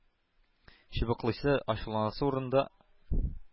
Чыбыклыйсы, ачуланасы урында,